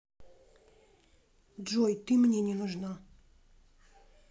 джой ты мне не нужна